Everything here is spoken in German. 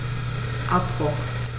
Abbruch.